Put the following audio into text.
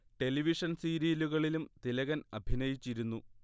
television സീരിയലുകളിലും തിലകൻ അഭിനയിച്ചിരുന്നു